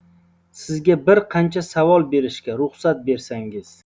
sizga bir qancha savol berishga ruxsat bersangiz